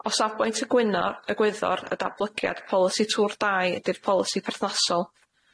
O safbwynt y gwyno y gwyddor y datblygiad polisi tŵr dai ydy'r polisi perthnasol.